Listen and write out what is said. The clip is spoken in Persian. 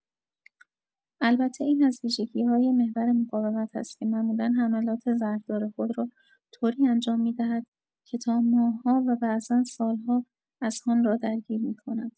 البته این از ویژگی‌های محور مقاومت است که معمولا حملات زهردار خود را طوری انجام می‌دهد که تا ماه‌ها و بعضا سال‌ها اذهان را درگیر می‌کند.